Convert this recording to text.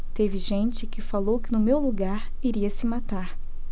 teve gente que falou que no meu lugar iria se matar